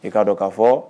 I'a dɔn k kaa fɔ